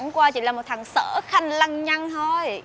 chẳng qua chỉ là một thằng sở khanh lăng nhăng thôi